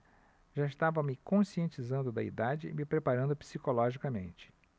já estava me conscientizando da idade e me preparando psicologicamente